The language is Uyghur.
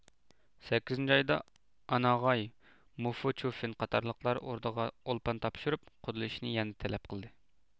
سەككىزىنچى ئايدا ئاناغاي موفو چۈفېن قاتارلىقلار ئوردىغا ئولپان تاپشۇرۇپ قۇدىلىشىشنى يەنە تەلەپ قىلدى